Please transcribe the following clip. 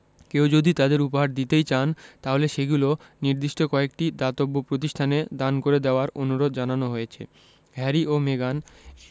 কেউ যদি তাঁদের উপহার দিতেই চান তাহলে সেগুলো নির্দিষ্ট কয়েকটি দাতব্য প্রতিষ্ঠানে দান করে দেওয়ার অনুরোধ জানানো হয়েছে হ্যারি ও মেগান